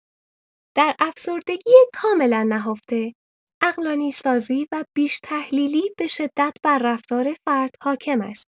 در افسردگی کاملا نهفته، عقلانی‌سازی و بیش‌تحلیلی به‌شدت بر رفتار فرد حاکم است.